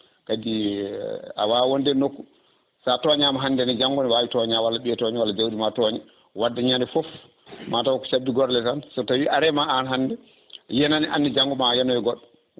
kadi a wawa wonde e nokku sa toñama hande ne janggo ne wawi toña walla ɓiiye toña walla jawdi ma toña wadde ñande foof mataw ko saabi gorle tan so tawi arema an hande yenane anne janggo ma yanoye goɗɗo